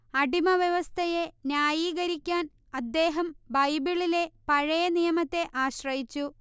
അടിമവ്യവസ്ഥയെ ന്യായീകരിക്കാൻ അദ്ദേഹം ബൈബിളിലെ പഴയനിയമത്തെ ആശ്രയിച്ചു